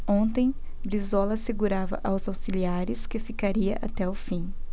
ontem brizola assegurava aos auxiliares que ficaria até o fim